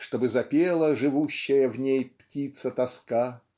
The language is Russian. чтобы запела живущая в ней птица-тоска